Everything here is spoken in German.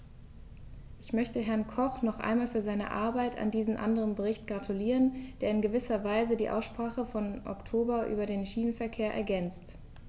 Ich möchte Herrn Koch noch einmal für seine Arbeit an diesem anderen Bericht gratulieren, der in gewisser Weise die Aussprache vom Oktober über den Schienenverkehr ergänzt.